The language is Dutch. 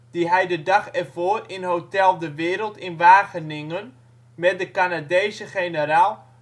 die hij de dag ervoor in Hotel de Wereld in Wageningen met de Canadese generaal